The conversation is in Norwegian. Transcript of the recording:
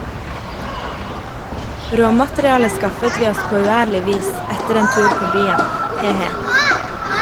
Råmaterialet skaffet vi oss på uærlig vis etter en tur på byen, he he.